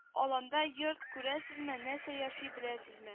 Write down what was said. Аланда йорт күрәсезме нәрсә яши беләсезме